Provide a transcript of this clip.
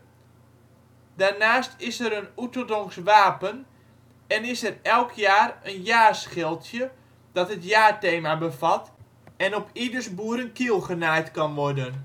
Daarnaast is er een Oeteldonks wapen en is er elk jaar een jaarschildje dat het jaarthema bevat en op ieders boerenkiel genaaid kan worden